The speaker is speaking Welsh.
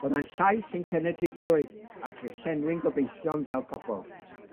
byddai'n llais ein cenedligrwydd ac yn llenwi'n gobeithion fel pobol.